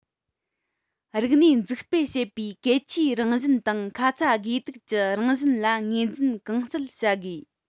རིག གནས འཛུགས སྤེལ བྱེད པའི གལ ཆེའི རང བཞིན དང ཁ ཚ དགོས གཏུགས ཀྱི རང བཞིན ལ ངོས འཛིན གང གསལ བྱ དགོས